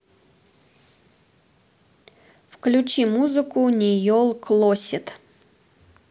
включи музыку нейол клосед